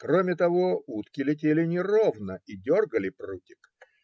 кроме того, утки летели неровно и дергали прутик